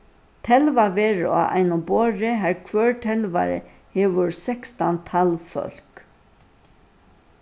telvað verður á einum borði har hvør telvari hevur sekstan talvfólk